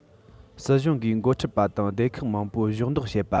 སྲིད གཞུང གིས མགོ ཁྲིད པ དང སྡེ ཁག མང པོས གཞོགས འདེགས བྱེད པ